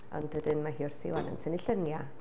Ond wedyn mae hi wrthi rŵan yn tynnu lluniau.